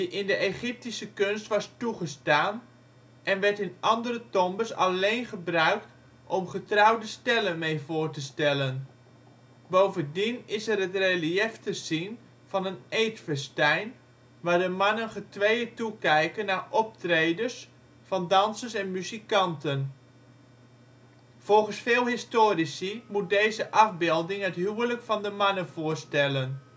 in de Egyptische kunst was toegestaan en werd in andere tombes alleen gebruikt om getrouwde stellen mee voor te stellen. Bovendien is er het reliëf te zien van een eetfestijn waar de mannen getweeën toekijken naar optredens van dansers en muzikanten. Volgens veel historici moet deze afbeelding het huwelijk van de mannen voorstellen